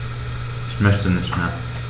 Ich möchte nicht mehr.